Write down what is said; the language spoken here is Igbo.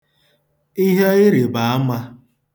ihe ịrị̀bàamā